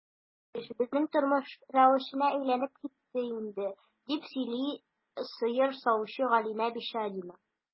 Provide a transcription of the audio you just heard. Бу гадәти эш, безнең тормыш рәвешенә әйләнеп китте инде, - дип сөйләде сыер савучы Галина Бичарина.